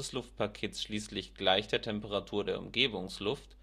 Luftpakets schließlich gleich der Temperatur der Umgebungsluft